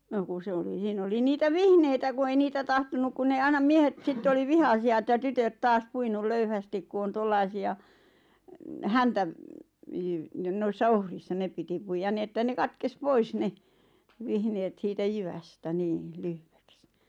no kun se oli siinä oli niitä vihneitä kun ei niitä tahtonut kun ne aina miehet sitten oli vihaisia että tytöt taas puinut löyhästi kun on tuollaisia -- niin noissa ohrissa ne piti puida niin että ne katkesi pois ne vihneet siitä jyvästä niin lyhyeksi